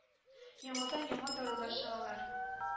Яңадан яңа дарулар чыгалар